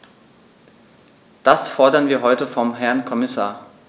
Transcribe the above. Das fordern wir heute vom Herrn Kommissar.